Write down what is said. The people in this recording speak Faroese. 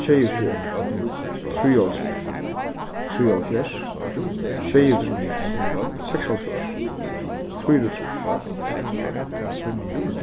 sjeyogfjøruti trýoghálvtrýss trýoghálvfjerðs sjeyogtrýss seksoghálvfjerðs fýraogtrýss